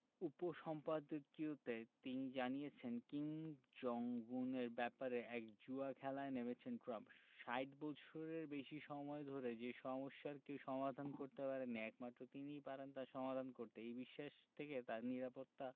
উপসম্পাদকীয়তে তিনি জানিয়েছেন Kim Jong উনের ব্যাপারে এক জুয়া খেলায় নেমেছেন ট্রাম্প ৬০ বছরের বেশি সময় ধরে যে সমস্যার কেউ সমাধান করতে পারেনি একমাত্র তিনিই পারেন তা সমাধান করতে এই বিশ্বাস থেকে তাঁর নিরাপত্তা